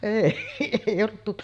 ei ei ollut -